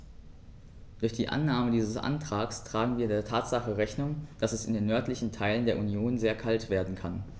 Durch die Annahme dieses Antrags tragen wir der Tatsache Rechnung, dass es in den nördlichen Teilen der Union sehr kalt werden kann.